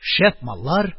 Шәп маллар